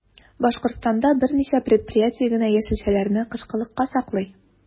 Башкортстанда берничә предприятие генә яшелчәләрне кышкылыкка саклый.